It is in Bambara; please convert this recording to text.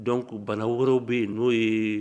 Donc o bana wɛrɛw bɛ yen n'o ye